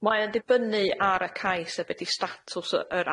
Mae o'n dibynnu ar y cais a be' 'di statws y- yr